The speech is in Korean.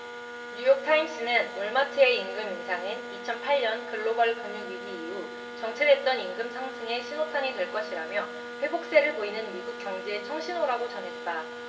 뉴욕타임스는 월마트의 임금 인상은 이천 팔 년 글로벌 금융 위기 이후 정체됐던 임금 상승의 신호탄이 될 것이라며 회복세를 보이는 미국 경제에 청신호라고 전했다